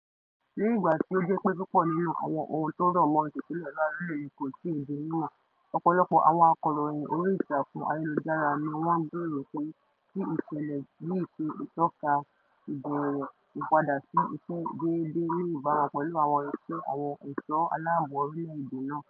Ní ìgbà tí ó jẹ́ pé púpọ̀ nínú àwọn ohun tó rọ̀ mọ́ ìtúsílẹ̀ Razily ni kò tíì di mímọ̀, ọ̀pọ̀lọpọ̀ àwọn akọ̀ròyìn orí ìtàkùn ayélujára ni wọ́n gbèrò pé kí ìṣẹ̀lẹ̀ yìí ṣe ìtọ́ka ìbẹ̀rẹ̀ ìpadà sí ìṣe déédé ní ìbámu pẹ̀lú ìṣe àwọn ẹ̀ṣọ́ aláàbò orílẹ̀ èdè náà.